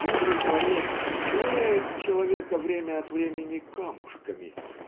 мудрый Творец швыряет в человека время от времени камушками